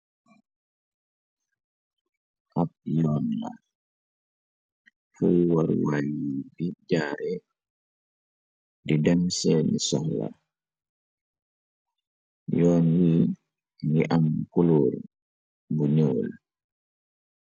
Ab yoon la xey war walyi di jaare di dem seeni soxla yoon yi ni am culoor bu ñuul.